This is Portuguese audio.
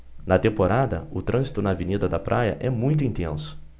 na temporada o trânsito na avenida da praia é muito intenso